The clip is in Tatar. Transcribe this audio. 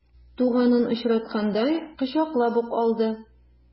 Туганын очраткандай кочаклап ук алды.